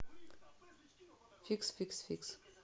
фикс фикс фикс